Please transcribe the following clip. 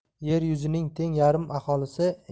yer yuzining teng yarim aholisi